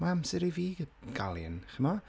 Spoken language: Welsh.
Mae amser i fi gael un, chimod.